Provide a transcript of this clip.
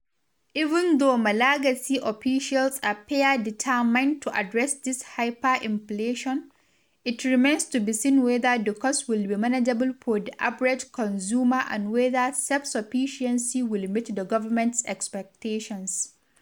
Even though Malagasy officials appear determined to address this hyperinflation, it remains to be seen whether the cost will be manageable for the average consumer and whether self-sufficiency will meet the government’s expectations.